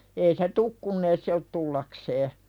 ei se tullut kun ei se ole tullakseen